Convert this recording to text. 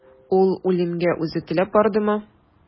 Ул үлемгә үзе теләп бардымы?